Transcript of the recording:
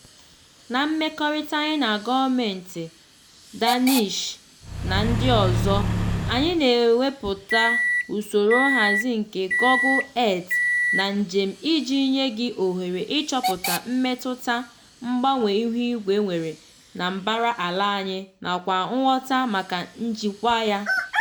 Na mmekọrịta anyị na gọọmentị Danish na ndị ọzọ, anyị na-ewepụta usoro nhazi nke Google Earth na njem iji nye gị ohere ịchọpụta mmetụta mgbanwe ihuigwe nwere na mbara ala anyị nakwa ngwọta maka njikwa ya.